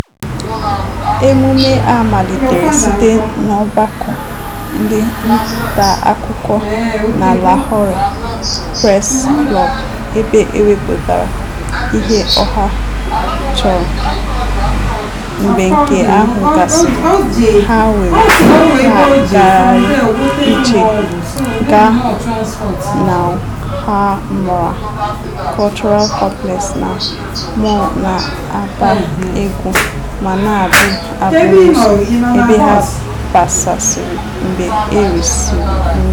Emume a malitere site n'Ọgbakọ ndị Ntaakụkọ na Lahore Press Club ebe e wepụtara ihe ọha chọrọ; mgbe nke ahụ gasịrị, ha were ngagharị ije gaa n'Al Hamra Cultural Complex na Mall na-agba egwu ma na-abụ abụ n'ụzọ, ebe ha gbasasịrị mgbe e rịsịrị nri.